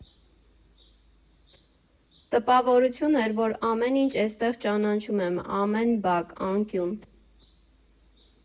Տպավորություն էր, որ ամեն ինչ էստեղ ճանաչում եմ, ամեն բակ, անկյուն։